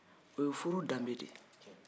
o ye furu danbe de ye